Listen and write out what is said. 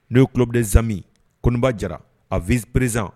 No ye club des amis Koniba Diarra a vice président